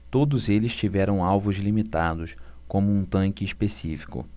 todos eles tiveram alvos limitados como um tanque específico